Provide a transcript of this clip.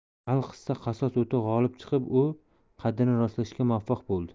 alqissa qasos o'ti g'olib chiqib u qaddini rostlashga muvaffaq bo'ldi